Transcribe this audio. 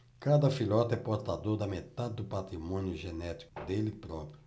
cada filhote é portador da metade do patrimônio genético dele próprio